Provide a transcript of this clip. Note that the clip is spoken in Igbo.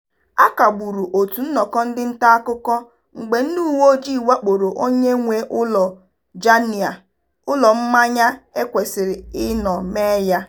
A kagburu otu nnọkọ ndị ntaakụkọ mgbe ndị uweojii wakporo onye nwe ụlọ Janeer, ụlọ mmanya e kwesịrị ịnọ mee ya.